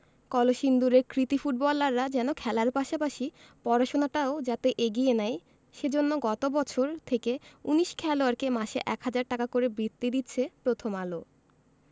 কলসিন্দুরের কৃতী ফুটবলাররা যেন খেলার পাশাপাশি পড়াশোনাটাও যাতে এগিয়ে নেয় সে জন্য গত বছর থেকে ১৯ খেলোয়াড়কে মাসে ১ হাজার টাকা করে বৃত্তি দিচ্ছে প্রথম আলো